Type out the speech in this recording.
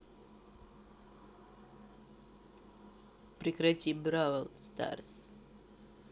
прекрати бравл старс